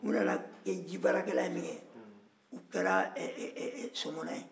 u nana kɛ jibaarakɛla ye min kɛ u kɛra sɔmɔnɔ ye